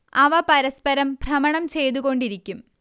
അവ പരസ്പരം ഭ്രമണം ചെയ്തുകൊണ്ടിരിക്കും